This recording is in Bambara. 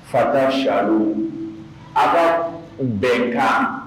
Fata sayanaalo a ka u bɛnkan